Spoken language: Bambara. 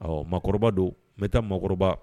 Ɔ makɔrɔba don, n bɛ taa makɔrɔba